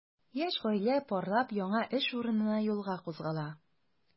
Яшь гаилә парлап яңа эш урынына юлга кузгала.